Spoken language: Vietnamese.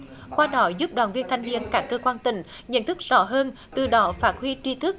qua đó giúp đoàn viên thanh niên các cơ quan tỉnh nhận thức rõ hơn từ đó phát huy tri thức